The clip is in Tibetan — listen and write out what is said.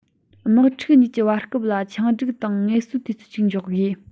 དམག འཁྲུག གཉིས ཀྱི བར སྐབས ལ ཆིངས སྒྲིག དང ངལ གསོའི དུས ཚོད ཅིག འཇོག དགོས